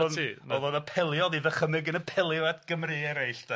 o'dd o'n o'dd o'n apelio o'dd 'i ddychymyg yn apelio at Gymry eraill 'de.